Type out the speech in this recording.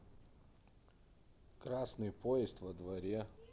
красный поезд в воде